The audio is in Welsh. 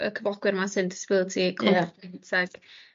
y cyflogwyr 'ma sy'n disability ag